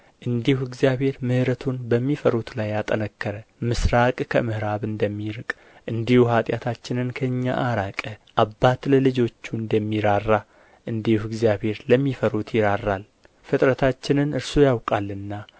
እንዲሁ እግዚአብሔር ምሕረቱን በሚፈሩት ላይ አጠነከረ ምሥራቅ ከምዕራብ እንደሚርቅ እንዲሁ ኃጢአታችንን ከእኛ አራቀ አባት ለልጆቹ እንደሚራራ እንዲሁ እግዚአብሔር ለሚፈሩት ይራራል ፍጥረታችንን እርሱ ያውቃልና